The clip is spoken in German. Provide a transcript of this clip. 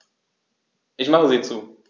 Ich mache sie zu.